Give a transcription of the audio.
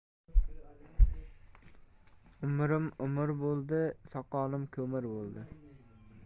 umrim umr bo'ldi soqolim ko'mir bo'ldi